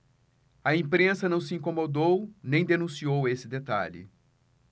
a imprensa não se incomodou nem denunciou esse detalhe